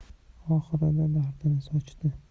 oxiri dardini ochdi